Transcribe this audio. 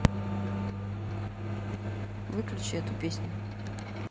выключи эту песню